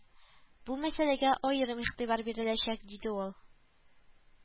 Бу мәсьәләгә аерым игътибар биреләчәк , диде ул